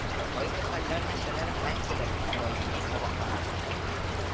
Кайбер хәлләр-нәрсәләр мәңгелек, даими кабатлана